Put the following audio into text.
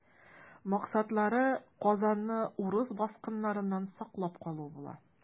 Максатлары Казанны урыс баскыннарыннан саклап калу була.